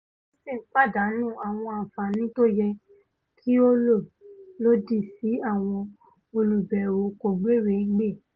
Livinston pàdánù àwọn àǹfààní tóyẹ kí ó lò lòdì sí àwọn olùbẹwò kògbérèégbè